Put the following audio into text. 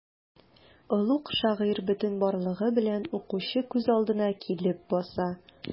Олуг шагыйрь бөтен барлыгы белән укучы күз алдына килеп баса.